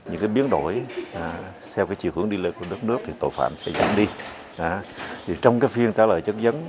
những cái biến đổi à theo cái chiều hướng đi lên của đất nước thì tội phạm sẽ giảm đi á thì trong các phiên trả lời chất vấn